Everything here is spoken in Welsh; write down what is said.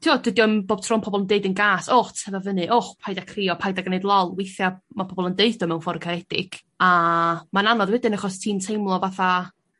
t'od dydi o'm bob tro'n pobol yn deud yn gas o tyfa fyny och paid a crio paid a gwneud lol weithia' ma pobol yn deutho mewn ffor caredig a ma'n anodd wedyn achos ti'n teimlo fatha